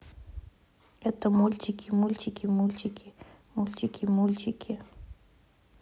это мультики мультики мультики мультики мультики